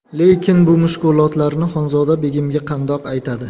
lekin bu mushkulotlarni xonzoda begimga qandoq aytadi